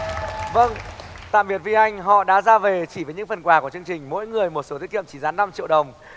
vâng tạm biệt vi anh họ đã ra về chỉ với những phần quà của chương trình mỗi người một sổ tiết kiệm trị giá năm triệu đồng